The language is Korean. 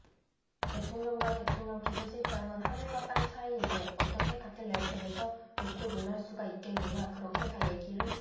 대통령과 대통령 비서실장은 하늘과 땅 차이인데 어떻게 같은 레벨에서 놓고 논할 수가 있겠느냐 그렇게 다 얘기를 했습니다